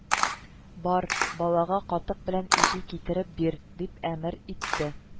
Бар балага катык белән ипи китереп бир дип әмэр итте